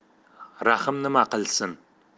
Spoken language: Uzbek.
rahm nima qilsin